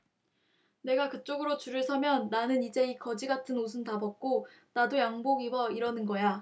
내가 그쪽으로 줄을 서면 나는 이제 이 거지 같은 옷은 다 벗고 나도 양복 입어 이러는 거야